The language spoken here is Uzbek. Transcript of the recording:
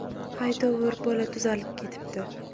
haytovur bola tuzalib ketibdi